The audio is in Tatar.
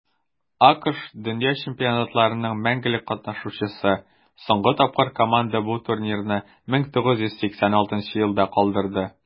АКШ - дөнья чемпионатларының мәңгелек катнашучысы; соңгы тапкыр команда бу турнирны 1986 елда калдырды.